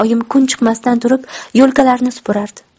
oyim kun chiqmasdan turib yo'lkalarni supurardi